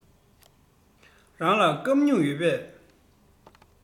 རང ལ སྐམ སྨྱུག ཡོད པས